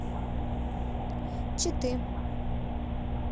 читы